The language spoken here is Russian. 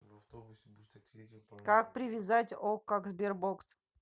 как привязать ок как sberbox